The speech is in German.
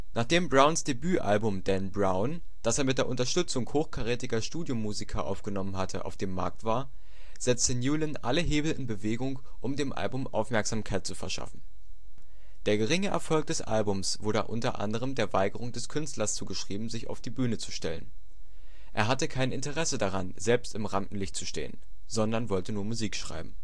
Nachdem Browns Debütalbum Dan Brown, das er mit der Unterstützung hochkarätiger Studiomusiker aufgenommen hatte, auf dem Markt war, setzte Newlon alle Hebel in Bewegung, um dem Album Aufmerksamkeit zu verschaffen. Der geringe Erfolg des Albums wurde unter anderem der Weigerung des Künstlers zugeschrieben, sich auf die Bühne zu stellen. Er hatte kein Interesse daran, selbst im Rampenlicht zu stehen, sondern wollte nur Musik schreiben